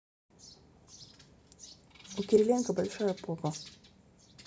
у кириленко большая попа